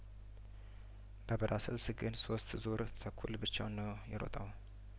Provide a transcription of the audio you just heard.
በብራስልስ ግን ሶስት ዙር ተኩል ብቻውን ነው የሮጠው